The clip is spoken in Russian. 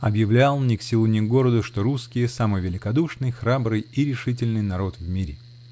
объявлял, ни к селу ни к городу, что русские -- самый великодушный, храбрый и решительный народ в мире!